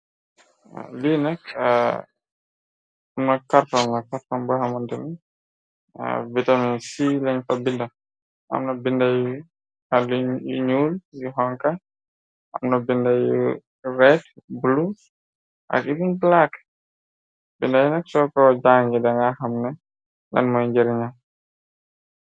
Li nak are carton la carton bohamanteni bidon yi cia lañ fa binda amna binda yu ñuul yu honka amna binda yu red bolu ak girin balake bindayi nak soko jànge danga xamne lan mooy jeringam.